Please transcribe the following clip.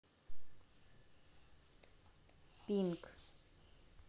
pink